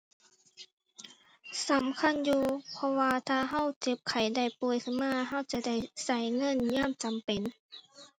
สำคัญอยู่ เพราะว่าถ้าเราเจ็บไข้ได้ป่วยขึ้นมา เราจะได้เราเงินยามจำเป็น